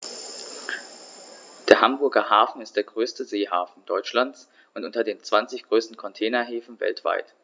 Der Hamburger Hafen ist der größte Seehafen Deutschlands und unter den zwanzig größten Containerhäfen weltweit.